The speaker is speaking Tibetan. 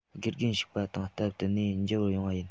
དགེ རྒན བཞུགས པ དང སྟབས བསྟུན ནས མཇལ བར ཡོང བ ཡིན